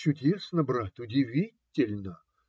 - Чудесно, брат, удивительно!